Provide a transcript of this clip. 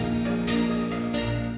em